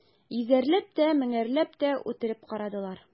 Йөзәрләп тә, меңәрләп тә үтереп карадылар.